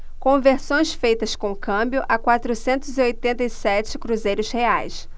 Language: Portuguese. conversões feitas com câmbio a quatrocentos e oitenta e sete cruzeiros reais